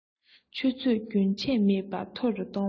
ཆུ ཚད རྒྱུན ཆད མེད པར མཐོ རུ གཏོང བ དང